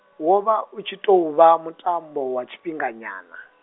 wo vha u tshi tou vha mutambo, wa tshifhinga nyana.